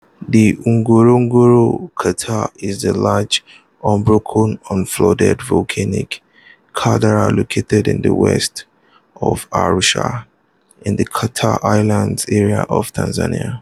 The Ngorongoro Crater is a large, unbroken, unflooded volcanic caldera located in the west of Arusha in the Crater Highlands area of Tanzania.